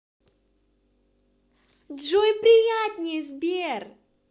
джой приятней сбер